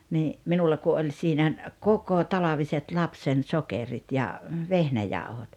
niin minulla kun oli siinä kokotalviset lapsen sokerit ja vehnäjauhot